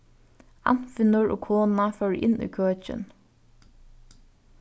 anfinnur og konan fóru inn í køkin